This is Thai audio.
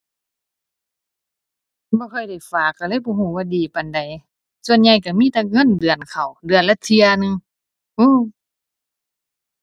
บ่ค่อยได้ฝากก็เลยบ่ก็ว่าดีปานใด ส่วนใหญ่ก็มีแต่เงินเดือนเข้า เดือนละเที่ยหนึ่ง